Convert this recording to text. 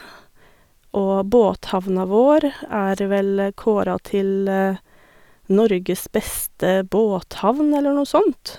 Og båthavna vår er vel kåra til Norges beste båthavn eller noe sånt.